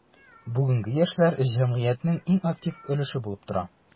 Бүгенге яшьләр – җәмгыятьнең иң актив өлеше булып тора.